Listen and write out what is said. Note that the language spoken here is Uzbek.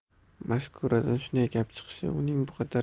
mashkuradan shunday gap chiqishi uning bu qadar